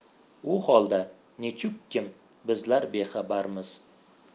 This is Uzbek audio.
u holda nechukkim bizlar bexabarmiz